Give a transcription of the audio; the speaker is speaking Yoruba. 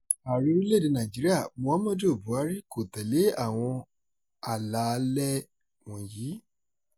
Ààrẹ orílẹ̀-èdè Nàìjíríà Muhammadu Buhari kò tẹ̀lé àwọn àlàálẹ̀ wọ̀nyí.